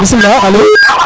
bismila alo